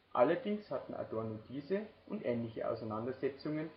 hatten Adorno diese und ähnliche Auseinandersetzungen